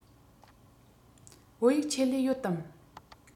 བོད ཡིག ཆེད ལས ཡོད དམ